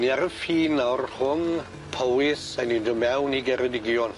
Ni ar y ffin nawr rhwng Powys a ni'n dod mewn i Geredigion.